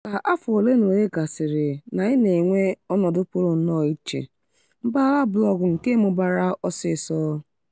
Ka afọ olenaole gasịrị, na anyị na-enwe ọnọdụ pụrụ nnọọ iche - mpaghara blọọgụ nke mụbara ọsịsọ.